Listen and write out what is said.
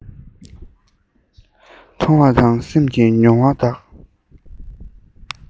མཐོང བ དང སེམས ཀྱི མྱོང བ དག